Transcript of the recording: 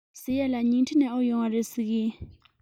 ཟེར ཡས ལ ཉིང ཁྲི ནས དབོར ཡོང བ རེད ཟེར གྱིས